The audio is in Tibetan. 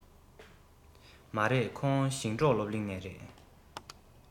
མ རེད ཁོང ཞིང འབྲོག སློབ གླིང ནས རེད